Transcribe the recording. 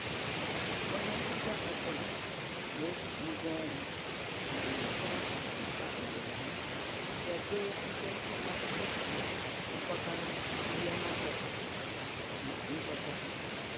Onye nchọcha ọbụla na-eji ngwa ọrụ ma nyocha mba obodo ha, bịa dee nkenke akwụkwọ chịkọtara ihe ha chọpụtara na nchọcha ha.